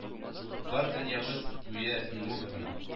Бар дөньябыз гүя нур гына